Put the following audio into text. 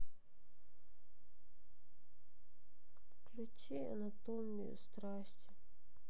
включи анатомию страсти